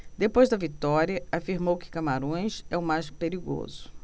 depois da vitória afirmou que camarões é o mais perigoso